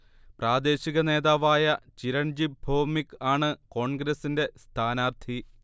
പ്രാദേശിക നേതാവായ ചിരൺജിബ് ഭോവ്മിക് ആണ് കോൺഗ്രസിന്റെ സ്ഥാനാർത്ഥി